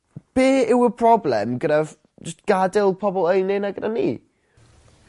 Be' yw y problem gyda f- jyst gadel pobol yy i neu' gyda ni?